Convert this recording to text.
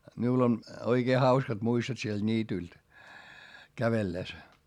minulla on oikein hauskat muistot sieltä niityltä kävellessä